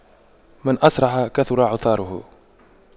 من أسرع كثر عثاره